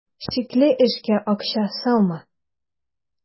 Шикле эшкә акча салма.